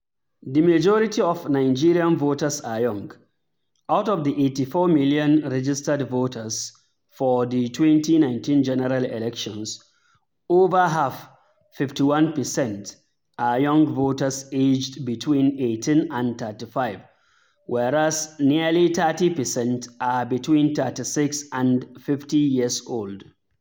The majority of Nigerian voters are young. Out of the 84 million registered voters for the 2019 General Elections, over half — 51 percent — are young voters aged between 18 and 35, whereas nearly 30 percent are between 36 and 50 years old.